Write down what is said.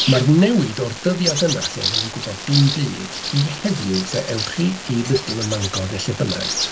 Mae'r newid o'r dyddiad yna, lle doeddan nhw'n gwybod dim byd, i heddiw lle ewch chi i Lidl ym Mangor neu lle bynnag.